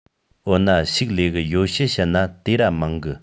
འོ ན ཕྱུགས ལས གི ཡོ བྱད བཤད ན དེ ར མང གི